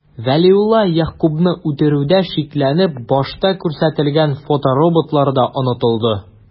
Вәлиулла Ягъкубны үтерүдә шикләнеп, башта күрсәтелгән фотороботлар да онытылды...